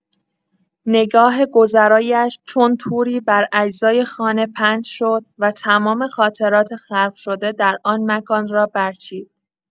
نگاه گذرایش چون توری بر اجزای خانه پهن شد و تمام خاطرات خلق‌شده در آن مکان را برچید.